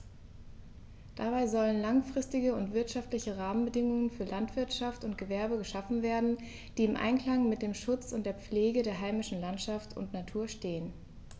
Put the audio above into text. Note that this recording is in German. Dabei sollen langfristige und wirtschaftliche Rahmenbedingungen für Landwirtschaft und Gewerbe geschaffen werden, die im Einklang mit dem Schutz und der Pflege der heimischen Landschaft und Natur stehen.